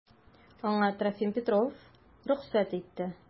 Аңа Трофим Петров рөхсәт итте.